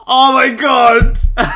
Oh my God!